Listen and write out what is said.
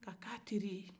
k'a ka teri ye